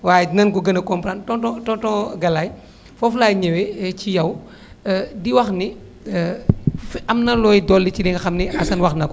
waaye dinañ ko gën a comprendre tonton tonton Galaye foofu laay ñëwee ci yow di wax ni am na looy dolli ci li nga xam ni assane wax na ko